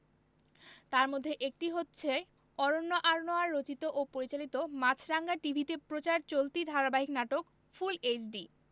তার মধ্যে একটি হচ্ছে অরন্য আনোয়ার রচিত ও পরিচালিত মাছরাঙা টিভিতে প্রচার চলতি ধারাবাহিক নাটক ফুল এইচডি